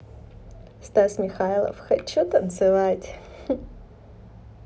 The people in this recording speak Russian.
стас михайлов хочу танцевать